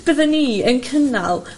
bydden ni yn cynnal